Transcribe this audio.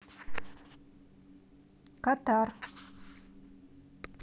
катар